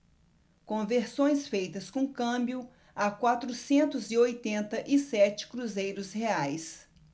conversões feitas com câmbio a quatrocentos e oitenta e sete cruzeiros reais